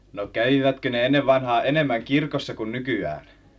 no kävivätkö ne ennen vanhaan enemmän kirkossa kuin nykyään